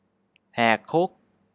แหกคุก